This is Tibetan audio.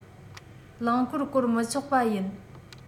རླངས འཁོར སྐོར མི ཆོག པ ཡིན